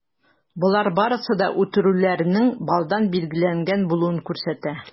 Болар барысы да үтерүләрнең алдан билгеләнгән булуын күрсәтә.